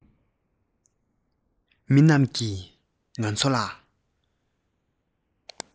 མི རྣམས ཀྱིས ང ཚོ ལ